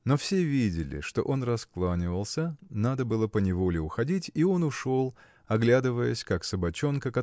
Но все видели, что он раскланивался надо было поневоле уходить и он ушел оглядываясь как собачонка